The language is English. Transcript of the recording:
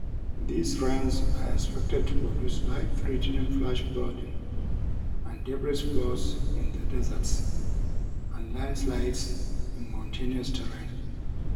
These rains are expected to produce life-threatening flash flooding and debris flows in the deserts, and landslides in mountainous terrain.